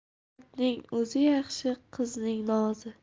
gapning ozi yaxshi qizning nozi